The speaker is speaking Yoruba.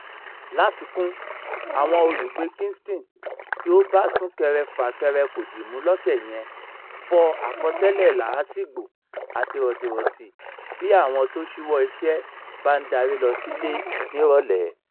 Láfikún, àwọn olùgbée Kingston, tí ó bá súnkẹrẹ fàkẹrẹ kòdìmú lọ́sẹ̀ yẹn, fọ àfọ̀tẹ́lẹ̀ làásìgbò àti rọ̀tìrọti bí àwọn tó ṣíwọ́ iṣẹ́ bá ń darí lọ sílé nírọ̀lẹ́.